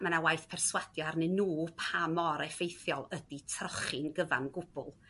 ma' 'na waith perswadio arnyn n'w pa mor effeithiol ydi trochi'n gyfan gwbl?